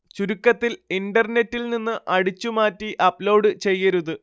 ചുരുക്കത്തില്‍ ഇന്റര്‍നെറ്റില്‍ നിന്ന് അടിച്ചു മാറ്റി അപ്‌ലോഡ് ചെയ്യരുത്